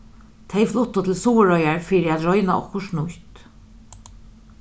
tey fluttu til suðuroyar fyri at royna okkurt nýtt